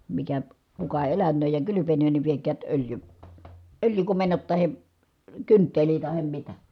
mikä kuka elänee ja kylpenee niin viekää - öljykomennot tai kynttilä tai mitä